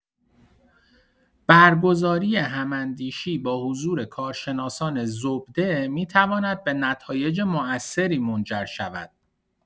برگزاری هم‌اندیشی با حضور کارشناسان زبده می‌تواند به نتایج موثری منجر شود.